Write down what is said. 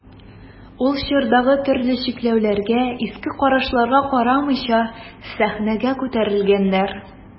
Ул чордагы төрле чикләүләргә, иске карашларга карамыйча сәхнәгә күтәрелгәннәр.